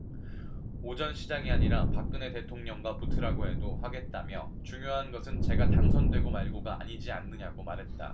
오 전 시장이 아니라 박근혜 대통령과 붙으라고 해도 하겠다며 중요한 것은 제가 당선되고 말고가 아니지 않느냐고 말했다